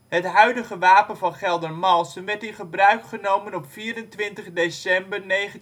Het huidige wapen van Geldermalsen werd in gebruik genomen op 24 december 1918